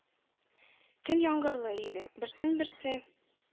Көн яңгырлы иде... Берсен-берсе